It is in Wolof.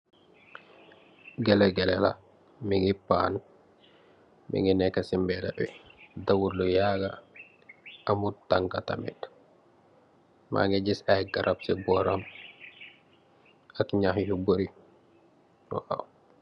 Gele gele la, mingi paan, mingi neka si mbedabi, dawut lu yaaga, amut tanka tamit, mangi giss ay garap si boram ak nyakh yu bari.